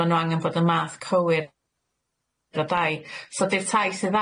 ma' nw angen fod yn math cywir o dai so di'r tai sydd